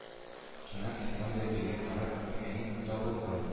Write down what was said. Кинәт ислам бәдригә карап меха-а-ник табылган